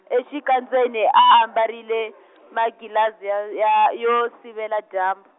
exikandzeni a ambarile, manghilazi ya ya yo sivela dyambu.